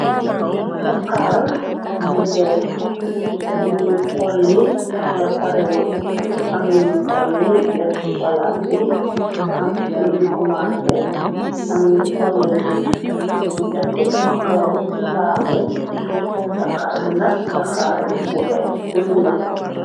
daxaar bu bees buñuy xolli te parewur am yiñ xolli def ci palaat bi am yiñ ku maasé am yiñ xolle gut ni tekko ci kaw saaku daxaar bi nag daxaar bu ees pul la.